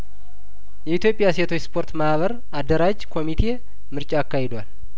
የኢትዮጵያ ሴቶች ስፖርት ማህበር አደራጅ ኮሚቴ ምርጫ አካሂዷል